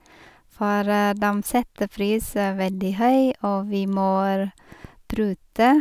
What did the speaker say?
For dem setter pris veldig høy, og vi må prute.